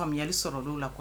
Miyali sɔrɔla' la kɔnɔ